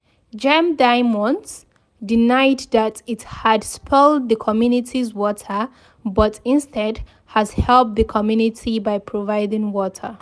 Gem Diamonds denied that it had spoiled the community’s water but instead has helped the community by providing water.